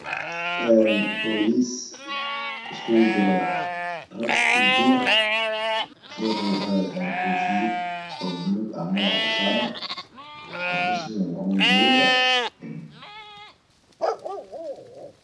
Een boolis isugu jiro rag iyo dumar sido kale waxay wataan koofiyado oo bulug ah aa madax usaran